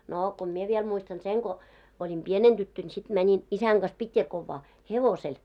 no kun minä vielä muistan sen kun olin pienenä tyttönä sitten menin isän kanssa Pitjakovaan hevosella